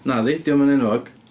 Nadi, dio'm yn enwog.